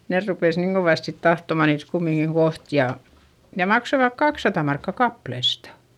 ne rupesi niin kovasti sitten tahtomaan niitä kumminkin kohta ja ja maksoivat kaksisataa markkaa kappaleesta